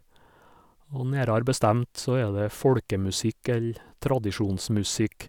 Og nærere bestemt så er det folkemusikk eller tradisjonsmusikk.